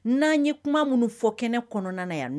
N'an ye kuma minnu fɔ kɛnɛ kɔnɔna na yan